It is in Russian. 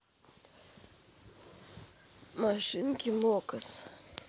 машинки мокас